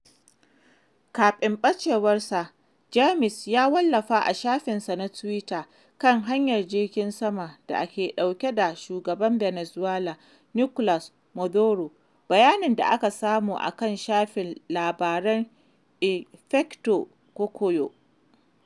Kafin bacewarsa, Jaimes ya wallafa a shafin sa na tuwita kan hanyar jirgin sama da ke ɗauke da shugaban Venezuela Nicolas Maduro, bayanin da ake samu a kan shafin labaran Efecto Cocuyo.